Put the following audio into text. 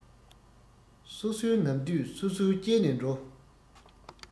སོ སོའི ནམ དུས སོ སོས བསྐྱལ ནས འགྲོ